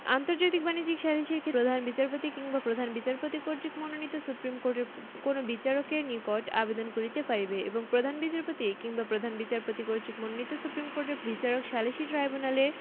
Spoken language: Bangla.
ঙ আন্তর্জাতিক বাণিজ্যিক সালিসের ক্ষেত্রে প্রধান বিচারপতি কিংবা প্রধান বিচারপতি কর্তৃক মনোনীত সুপ্রীম কোর্টের কোন বিচারকের নিকট আবেদন করিতে পারিবে এবং প্রধান বিচারপতি কিংবা প্রধান বিচারপতি কর্তৃক মনোনীত সুপ্রীম কোর্টের বিচারক সালিসী ট্রাইব্যুনালের